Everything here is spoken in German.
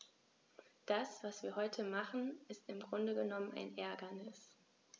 Das, was wir heute machen, ist im Grunde genommen ein Ärgernis.